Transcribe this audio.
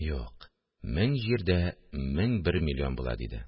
– юк, мең җирдә мең бер миллион була, – диде